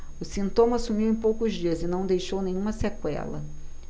o sintoma sumiu em poucos dias e não deixou nenhuma sequela